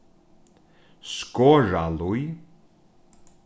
skoralíð